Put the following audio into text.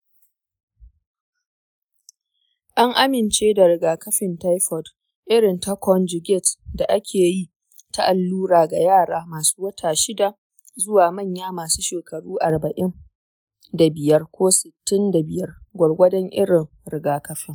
an amince da rigakafin taifoid irin ta conjugate da ake yi ta allura ga yara masu wata shida zuwa manya masu shekaru arba'in da biyar ko sittin da biyar, gwargwadon irin rigakafin.